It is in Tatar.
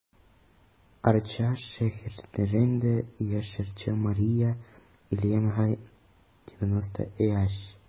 Арча шәһәрендә яшәүче Мария Ильинага 90 яшь.